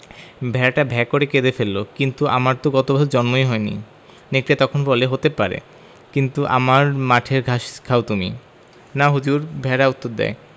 ভেড়াটা ভ্যাঁ করে কেঁদে ফেলল কিন্তু আমার তো গত বছর জন্মই হয়নি নেকড়েটা তখন বলে হতে পারে কিন্তু আমার মাঠের ঘাস খাও তুমি না হুজুর ভেড়া উত্তর দ্যায়